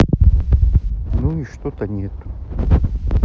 ну и что то нету